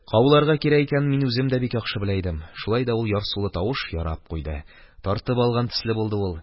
Кауларга кирәк икәнен мин үзем дә бик яхшы белә идем, шулай да ул ярсулы тавыш ярап куйды, тартып алган төсле булды ул.